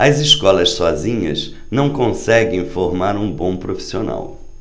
as escolas sozinhas não conseguem formar um bom profissional